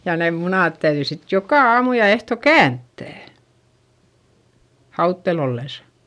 ja ne munat täytyi sitten joka aamu ja ehtoo kääntää hauteella ollessa